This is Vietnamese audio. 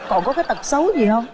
còn có cái tật xấu gì hông